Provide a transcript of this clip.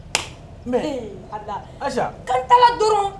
Ayita duuru